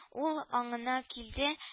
Ул аңына килде